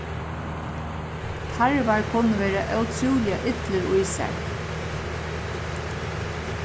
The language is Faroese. tarvar kunnu vera ótrúliga illir í sær